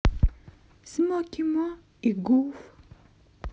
смоки мо и гуф